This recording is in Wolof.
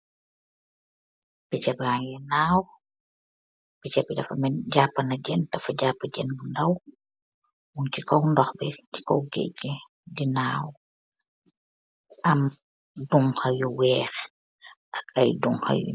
Pitcha baangeh naaw, pitcha bi dafa melni japah na jeun, dafa japah jeun bu ndaw, mung chi kaw ndokh bi chi kaw geuch bi, di naaw, am dunha yu wekh ak iiy dunha yu.